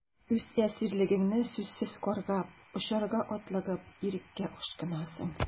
Үз әсирлегеңне сүзсез каргап, очарга атлыгып, иреккә ашкынасың...